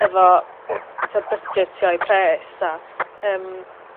efo t'o' budgetio'u pres a yym